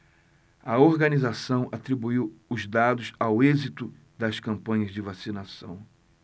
a organização atribuiu os dados ao êxito das campanhas de vacinação